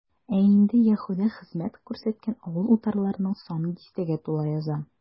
Ә инде Яһүдә хезмәт күрсәткән авыл-утарларның саны дистәгә тула яза.